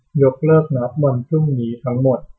ยกเลิกนัดวันพรุ่งนี้ทั้งหมด